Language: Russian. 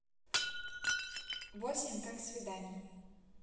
восемь как свиданий